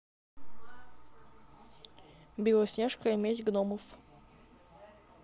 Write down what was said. белоснежка и месть гномов